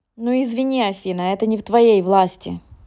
ну извини афина это не в твоей власти